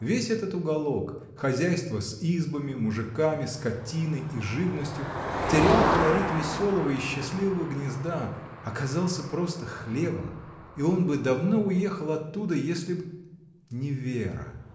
Весь этот уголок, хозяйство с избами, мужиками, скотиной и живностью, терял колорит веселого и счастливого гнезда, а казался просто хлевом, и он бы давно уехал оттуда, если б. не Вера!